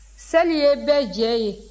seli ye bɛɛ jɛ ye